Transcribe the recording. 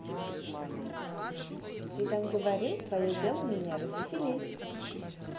ты там говорил твое дело меня развеселить